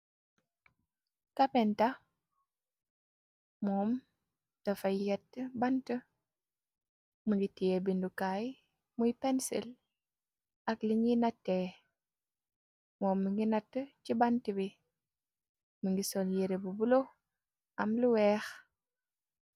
Kapenta moom dafay yett bant mungi tyee bindukaay muy pensil. Ak liñiy nattee moom mi ngi natt ci bant bi. Mi ngi solyeere bu bulo am lu weex.